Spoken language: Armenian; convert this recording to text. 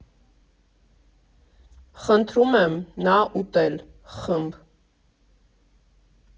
Խնդրում եմ, նա ուտել ֊ խմբ.